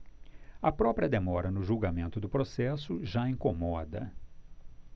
a própria demora no julgamento do processo já incomoda